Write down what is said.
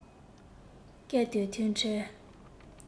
སྐད དེ ཐོས འཕྲལ